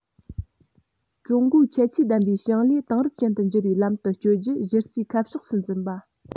ཀྲུང གོའི ཁྱད ཆོས ལྡན པའི ཞིང ལས དེང རབས ཅན དུ འགྱུར བའི ལམ དུ བསྐྱོད རྒྱུ གཞི རྩའི ཁ ཕྱོགས སུ འཛིན པ